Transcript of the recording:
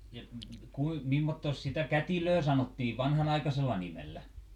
ja - mimmottoos sitä kätilöä sanottiin vanhanaikaisella nimellä